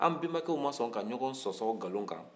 an bɛnbakɛw ma sɔn ka ɲɔgɔn sɔsɔ nkalon kan